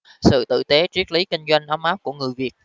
sự tử tế triết lý kinh doanh ấm áp của người việt